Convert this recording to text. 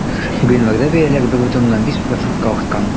Гыйнварда бәяләр 1,5 процентка арткан.